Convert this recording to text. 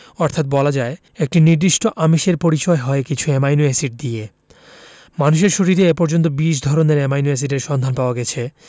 অর্থাৎ বলা যায় একটি নির্দিষ্ট আমিষের পরিচয় হয় কিছু অ্যামাইনো এসিড দিয়ে মানুষের শরীরে এ পর্যন্ত ২০ ধরনের অ্যামাইনো এসিডের সন্ধান পাওয়া গেছে